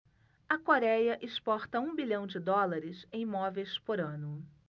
a coréia exporta um bilhão de dólares em móveis por ano